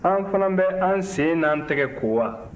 an fana bɛ an sen n'an tɛgɛ ko wa